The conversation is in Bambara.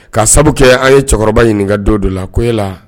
Ka sabu kɛ an ye cɛkɔrɔba ɲininka don dɔ la ko yala